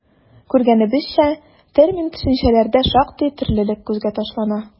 Күргәнебезчә, термин-төшенчәләрдә шактый төрлелек күзгә ташлана.